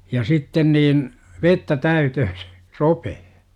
ja sitten niin vettä täyteen sen ropeen